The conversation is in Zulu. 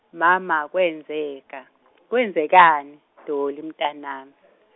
mama kwenzeka , kwenzekani Dolly mntanami .